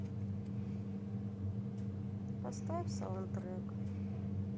поставь саундтрек